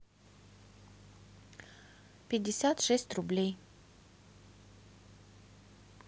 пятьдесят шесть рублей